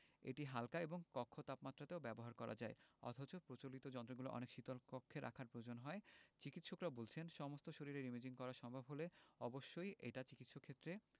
এটি হাল্কা এবং কক্ষ তাপমাত্রাতেও ব্যবহার করা যায় অথচ প্রচলিত যন্ত্রগুলো অনেক শীতল কক্ষে রাখার প্রয়োজন হয় চিকিত্সকরা বলছেন সমস্ত শরীরের ইমেজিং করা সম্ভব হলে অবশ্যই এটা চিকিত্সাক্ষেত্রে